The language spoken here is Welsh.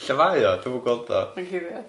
Lle mauo? Dwi'm yn gweld o. Ma'n cuddiad.